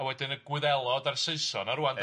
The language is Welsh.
A wedyn y Gwyddelod a'r Saeson a rŵan... Ia. ...